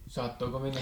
saattoiko mennä